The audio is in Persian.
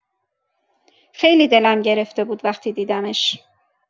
خیلی دلم گرفته بود وقتی دیدمش.